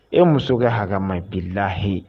E muso kɛ hama bila la h